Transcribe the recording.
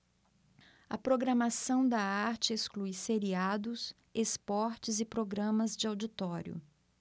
a programação da arte exclui seriados esportes e programas de auditório